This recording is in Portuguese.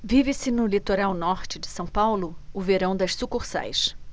vive-se no litoral norte de são paulo o verão das sucursais